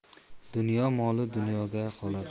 dunyo moli dunyoda qolar